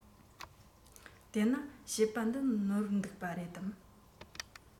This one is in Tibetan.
དེ ན བཤད པ འདི ནོར འདུག པ རེད དམ